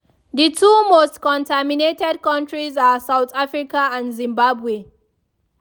The two most contaminated countries are South Africa and Zimbabwe.